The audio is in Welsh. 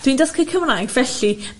dwi'n dysgu Cymraeg felly